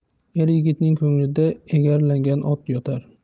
er yigitning ko'nglida egarlangan ot yotar